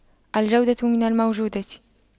الجودة من الموجودة